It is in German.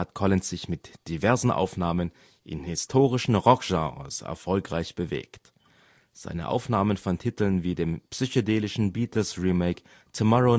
Collins sich mit diversen Aufnahmen in historischen Rockgenres erfolgreich bewegt. Seine Aufnahmen von Titeln wie dem psychedelischen Beatles-Remake Tomorrow